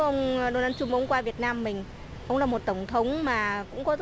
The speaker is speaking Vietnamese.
ông đô na trăm ông qua việt nam mình ông là một tổng thống mà cũng có